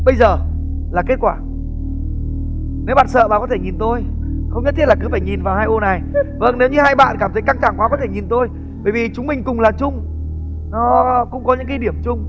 bây giờ là kết quả nếu bạn sợ bạn có thể nhìn tôi không nhất thiết cứ phải nhìn vào hai ô này vâng nếu như hai bạn cảm thấy căng thẳng quá có thể nhìn tôi bởi chúng mình cùng là chung nó cũng có những điểm chung